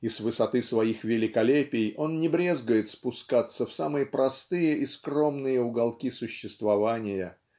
И с высоты своих великолепий он не брезгает спускаться в самые простые и скромные уголки существования